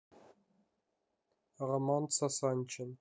роман сосанчин